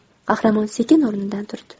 qahramon sekin o'rnidan turdi